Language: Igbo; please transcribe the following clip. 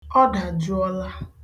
Ọ dàjụọla